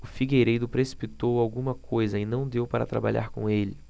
o figueiredo precipitou alguma coisa e não deu para trabalhar com ele